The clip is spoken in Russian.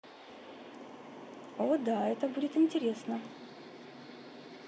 о да это будет интересно